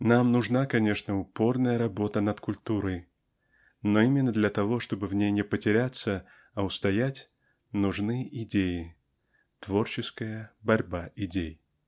Нам нужна, конечно, упорная работа над культурой. Но именно для того чтобы в ней не потеряться а устоять нужны идеи творческая борьба идей.